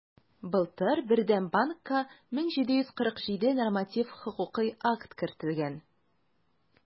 Былтыр Бердәм банкка 1747 норматив хокукый акт кертелгән.